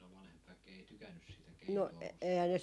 no vanhempi väki ei tykännyt siitä keijutouhusta